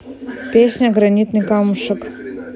песня гранитный камушек